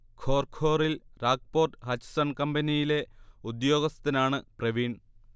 Khor ഖോറിൽ RAK port Hutchison കമ്പനിയിലെ ഉദ്യോഗസ്ഥനാണ് പ്രവീൺ